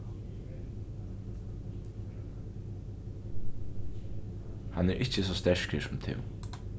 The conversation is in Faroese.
hann er ikki so sterkur sum tú